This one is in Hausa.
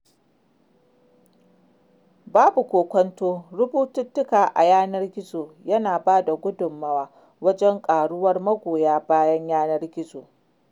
Babu kokwanto rubututtuka a yanar gizo ya ba da gudunmawa wajen ƙaruwar magoya bayan yanar gizo